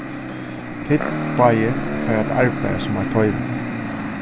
tit báðir fara at arbeiða sum eitt toymi